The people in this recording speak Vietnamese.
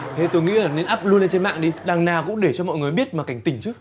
thế tôi nghĩ là ắp luôn lên trên mạng đi đằng nào cũng để cho mọi người biết mà cảnh tỉnh chứ